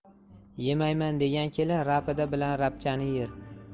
yemayman degan kelin rapida bilan rapchani yer